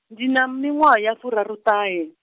ndi na miṅwaha ya furaruṱahe.